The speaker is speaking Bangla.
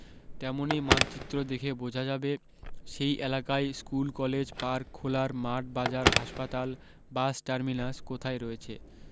তেমনি মানচিত্র দেখে বোঝা যাবে সেই এলাকায় স্কুল কলেজ পার্ক খেলার মাঠ বাজার হাসপাতাল বাস টারমিনাস কোথায় রয়েছে